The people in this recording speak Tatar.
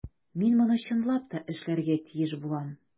Мин моны чынлап та эшләргә тиеш булам.